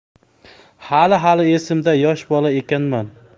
hali hali esimda yosh bola ekanman